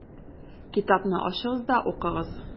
Китапны ачыгыз да укыгыз: